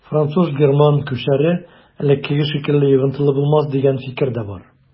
Француз-герман күчәре элеккеге шикелле йогынтылы булмас дигән фикер дә бар.